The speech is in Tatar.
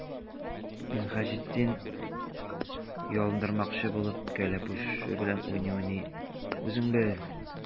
Минһаҗетдин, ялындырмакчы булып, кәләпүше белән уйный-уйный:— Үзең бел!